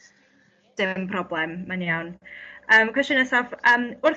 Dim problem mae'n iawn yym cwestiwn nesaf yym wrth edr-